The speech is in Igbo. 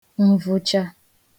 nvụcha